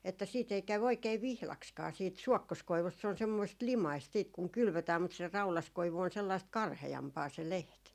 että siitä ei käy oikein vihdaksikaan siitä suokkoskoivusta se on semmoista limaista sitten kun kylvetään mutta se raudaskoivu on sellaista karheampaa se lehti